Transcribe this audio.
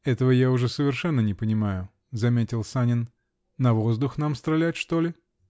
-- Этого я уже совершенно не понимаю, -- заметил Санин, -- на воздух нам стрелять, что ли?